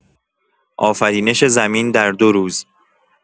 آفرینش زمین در ۲ روز!